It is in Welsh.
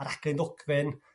ar rag'en dogfen,